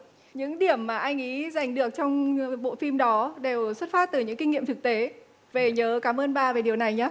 những điểm mà anh ý giành được trong bộ phim đó đều xuất phát từ những kinh nghiệm thực tế về nhớ cảm ơn ba về điều này nhá